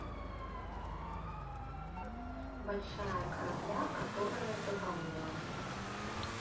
большая корабля которая затонула